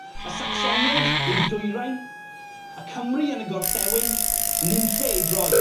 Y Sacsoniaid i'r dwyrain, y Cymry yn y gorllewin, ninlle i droi.